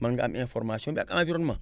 mën nga am information bi ak environnement